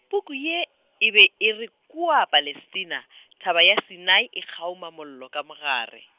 puku ye, e be e re kua Palestina , thaba ya Sinai e kgauma mollo ka mo gare.